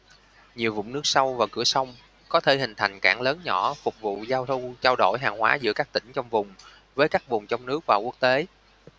nhiều vũng nước sâu và cửa sông có thể hình thành cảng lớn nhỏ phục vụ việc giao lưu trao đổi hàng hóa giữa các tỉnh trong vùng với các vùng trong nước và quốc tế